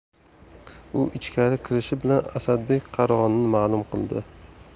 u ichkari kirishi bilan asadbek qarorini ma'lum qildi